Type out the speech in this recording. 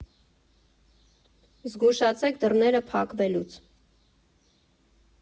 Զգուշացեք դռները փակվելուց։